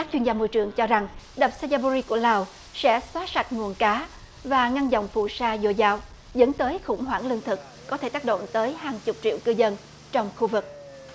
các chuyên gia môi trường cho rằng đập xay a bu ri của lào sẽ xóa sạch nguồn cá và ngăn dòng phù sa dồi dào dẫn tới khủng hoảng lương thực có thể tác động tới hàng chục triệu cư dân trong khu vực